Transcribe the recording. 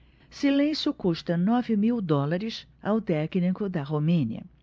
silêncio custa nove mil dólares ao técnico da romênia